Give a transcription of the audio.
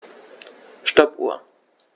Stoppuhr.